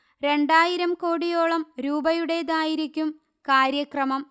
രണ്ടായിരം കോടിയോളം രൂപയുടേതായിരിക്കും കാര്യക്രമം